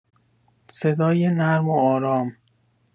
صدای نرم و آرام